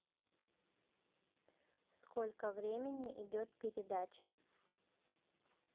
сколько времени идет передача